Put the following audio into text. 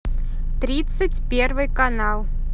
тридцать первый канал